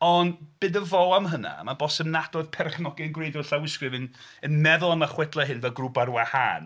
Ond am hynna, mae'n bosib nad oedd perchnogion gwreiddiol llawysgrif yn meddwl am y chwedlau hyn fel grŵp ar wahan.